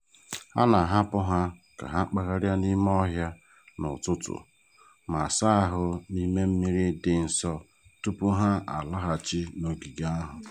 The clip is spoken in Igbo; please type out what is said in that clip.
A na-ahapụ ha ka ha kpagharị n'ime ọhịa n'ụtụtụ ma saa ahụ n'ime mmiri dị nso tụpụ ha alaghachi n'ogige ahụ.